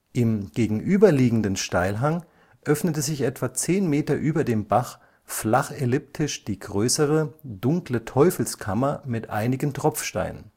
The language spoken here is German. Im gegenüber liegenden Steilhang öffnete sich etwa 10 m über dem Bach flach elliptisch die größere, dunkle Teufelskammer mit einigen Tropfsteinen